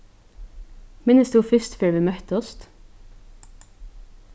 minnist tú fyrstu ferð vit møttust